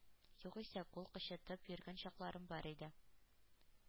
Югыйсә, кул кычытып йөргән чакларым бар иде.